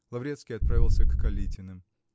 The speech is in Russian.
Лаврецкий отправился к Калитиным.